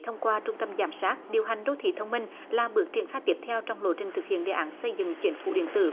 thông qua trung tâm giám sát điều hành đô thị thông minh là bước triển khai tiếp theo trong lộ trình thực hiện đề án xây dựng chính phủ điện tử